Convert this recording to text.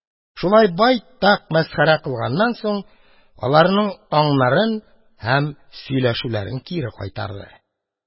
Шулай байтак мәсхәрә кылганнан соң, аларның аңнарын һәм сөйләшүләрен кире кайтарды.